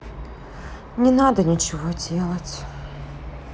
не надо нечего делать